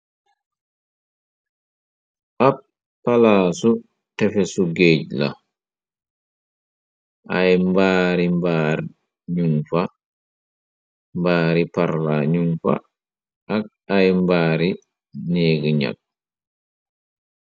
Ab palaasu tefesu gaej la, ay mbaari mbaar nun fa, mbaari parla ñum fa, ak ay mbaari neegi ñag.